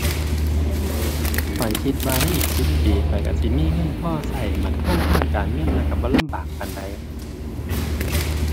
ข้อยคิดว่าในอีกสิบปีข้อยก็สิมีเงินพอก็มั่นคงทางการเงิน แล้วก็บ่ลำบากปานใด